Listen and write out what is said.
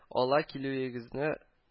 Ала килүегезне